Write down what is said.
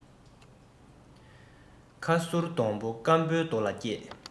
ཁ སུར སྡོང པོ སྐམ པོའི རྡོ ལ སྐྱེས